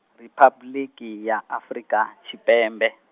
Riphabuḽiki, ya Afrika, Tshipembe.